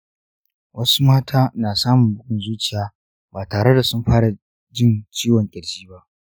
wasu mata na samun bugun zuciya ba tare da sun fara jin ciwon ƙirji ba.